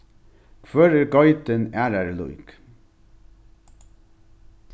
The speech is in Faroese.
hvør er geitin aðrari lík